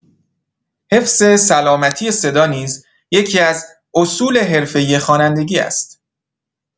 حفظ سلامتی صدا نیز یکی‌از اصول حرفه‌ای خوانندگی است.